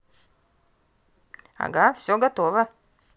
ага все готово